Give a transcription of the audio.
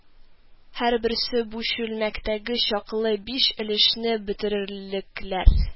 Һәрберсе бу чүлмәктәге чаклы биш өлешне бетерерлекләр